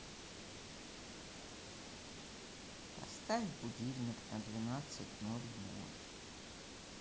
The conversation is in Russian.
поставь будильник на двенадцать ноль ноль